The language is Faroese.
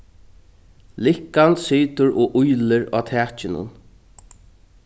likkan situr og ýlir á takinum